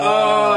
O!